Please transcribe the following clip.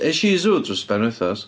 Es i i sŵ dros y penwythnos.